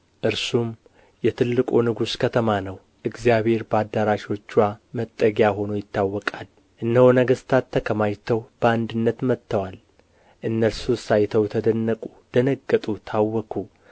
እርሱም የትልቁ ንጉሥ ከተማ ነው እግዚአብሔር በአዳራሾችዋ መጠጊያ ሆኖ ይታወቃል እነሆ ነገሥታት ተከማችተው በአንድነት መጥተዋል እነርሱስ አይተው ተደነቁ ደነገጡ ታወኩ